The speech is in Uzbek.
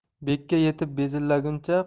bekka yetib bezillaguncha